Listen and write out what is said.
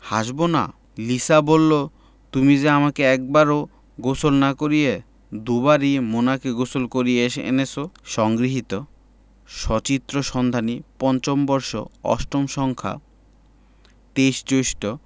হাসবোনা লিসা বললো তুমি যে আমাকে একবারও গোসল না করিয়ে দুবারই মোনাকে গোসল করিয়ে এনেছো সংগৃহীত সচিত্র সন্ধানী৫ম বর্ষ ৮ম সংখ্যা ২৩ জ্যৈষ্ঠ